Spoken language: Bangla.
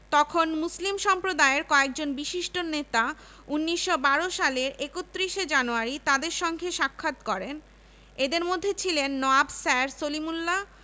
নওয়াব সৈয়দ নওয়াব আলী চৌধুরী এবং এ.কে ফজলুল হক সাক্ষাৎকালে তাঁরা বঙ্গভঙ্গ রহিত করায় শিক্ষাক্ষেত্রে তাদের অগ্রযাত্রা ব্যাহত হবে বলে আশঙ্কা প্রকাশ করেন